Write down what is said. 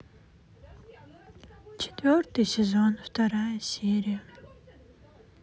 четвертый сезон вторая серия